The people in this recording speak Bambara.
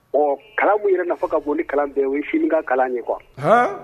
Ɔ kalan min yɛrɛ nafa ka bo ni kalan bɛɛ ye, o ye chine ka kalan ye quoi